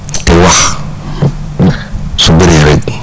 te wax su bëree rek